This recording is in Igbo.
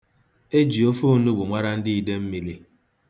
E ji ofe onugbu mara ndị Idemmili.